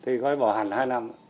thì coi bỏ hẳn hai năm ấy